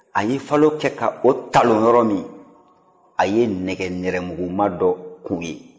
a ye falo kɛ ka o talon yɔrɔ min a ye nɛgɛ nɛrɛmuguma dɔ kun ye